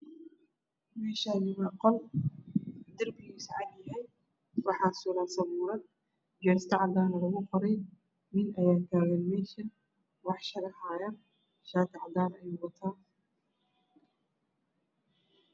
Meeshaan waa qol darbigihiisu cad yahay waxaa suran sabuurad. Jeesto cadaan ah lugu qoray. nin ayaa taagan wax sharaxaayo shaati cadaan ah ayuu wataa.